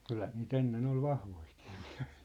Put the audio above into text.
kyllähän niitä ennen oli vahvojakin miehiä